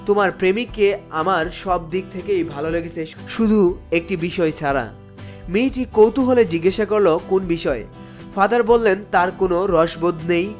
তোমার প্রেমিককে আমার সব দিক থেকেই ভালো লেগেছে শুধু একটি বিষয় ছাড়া মেয়েটি কৌতূহলে বলল কোন বিষয় ফাদার বললেন তার কোনো রসবোধ নেই